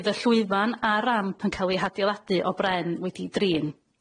Bydd y llwyfan a ramp yn cal 'i hadiladu o bren wedi drin.